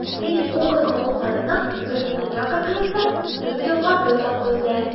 Фин-угыр халыкларының Бөтендөнья конгрессы дүрт елга бер тапкыр үтә.